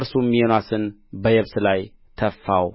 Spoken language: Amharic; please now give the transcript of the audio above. እርሱም ዮናስን በየብስ ላይ ተፋው